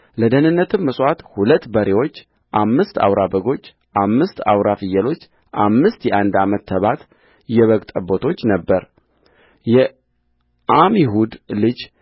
ለደኅንነትም መሥዋዕት ሁለት በሬዎች አምስት አውራ በጎች አምስት አውራ ፍየሎች አምስት የአንድ ዓመት ተባት የበግ ጠቦቶች ነበረ የዓሚሁድ ልጅ